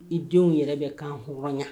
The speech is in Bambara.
I denw yɛrɛ bɛ kanhɔrɔɲa